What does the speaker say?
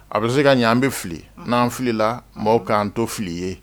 A bɛ se ka ɲɛ an bɛ fili unh n'an fili la maaw k'an to fili ye